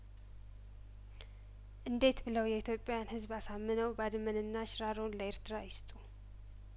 እንዴት ብለው የኢትዮጵያን ህዝብ አሳምነው ባድመንና ሽራሮን ለኤርትራ ይስጡ